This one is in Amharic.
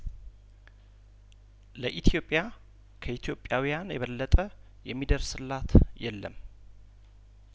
ለኢትዮጵያ ከኢትዮጵያውያን የበለጠ የሚደርስላት የለም